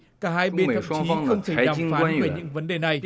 cả hai bên thậm chí không thể đàm phán bởi những vấn đề này